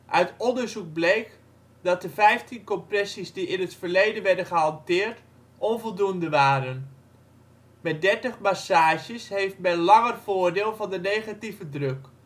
Uit onderzoek bleek dat de 15 compressies die in het verleden werden gehanteerd, onvoldoende waren. Met 30 massages heeft men langer voordeel van de negatieve druk